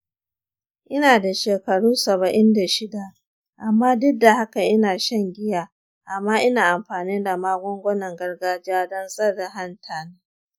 ina da shekaru saba'in da shida amma duk da haka ina shan giya amma ina amfani da magungunan gargajiya don tsare hanta na.